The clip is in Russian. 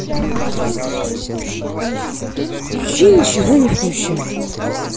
включи ничего не включить